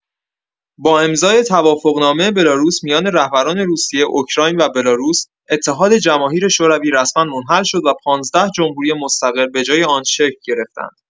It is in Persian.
با امضای توافقنامه بلاروس میان رهبران روسیه، اوکراین و بلاروس، اتحاد جماهیر شوروی رسما منحل شد و پانزده جمهوری مستقل به‌جای آن شکل گرفتند.